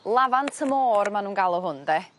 lafant y môr ma' nw'n galw hwn 'de